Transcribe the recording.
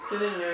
dinañ ñëw